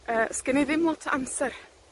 yy, 'sgen i ddim lot o amser.